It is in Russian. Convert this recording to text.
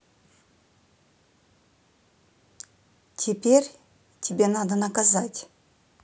теперь тебе надо наказать